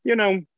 You know.